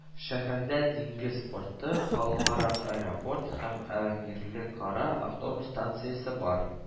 Шәһәрдә диңгез порты, халыкара аэропорт һәм әмирлекара автобус станциясе бар